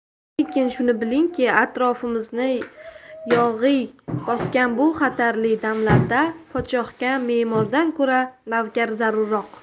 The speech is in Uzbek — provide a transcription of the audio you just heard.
lekin shuni bilingki atrofimizni yog'iy bosgan bu xatarli damlarda podshohga memordan ko'ra navkar zarurroq